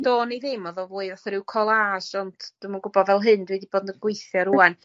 Do'n i ddim oddo fwy fatha ryw collage ond dwi'n yn gwbod fel hyn dwi 'di bod yn yy gweithio rŵan.